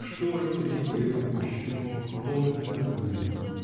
Шторы у ней были опущены, комнаты накурены.